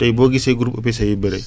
tey boo gisee groupe EPC yi bëre